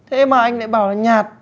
thế mà anh lại bảo là nhạt